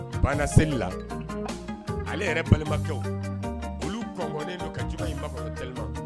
Banna seli la ale yɛrɛ balimakɛw olu kɔnɔnnen ka jugu in ba kɛlɛ